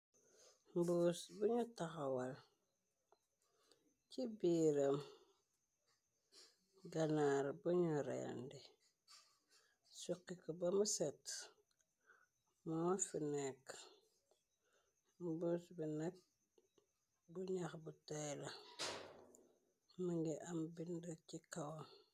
Mbuus biñu taxawal ci biiram ganaar buñu rendi sukqi ko bamu set moo fi nekk mbuus bi nekk bu ñax bu teyla mëngi am bind ci kawam.